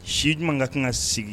Si jumɛn ka kan ka sigi